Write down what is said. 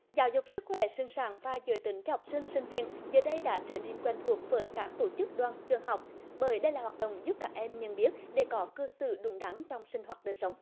giáo dục sức khỏe sinh sản và giới tính cho học sinh sinh viên giờ đây đã trở nên quen thuộc với các tổ chức đoàn trường học bởi đây là hoạt động giúp các em nhận biết để có cư xử đúng đắn trong sinh hoạt đời sống